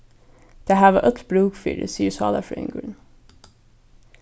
tað hava øll brúk fyri sigur sálarfrøðingurin